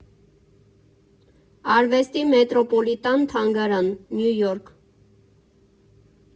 Արվեստի Մետրոպոլիտան թանգարան, Նյու Յորք։